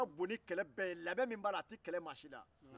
a ka bon ni kɛlɛ bɛɛ ye labɛn min b'a la o tɛ maa si la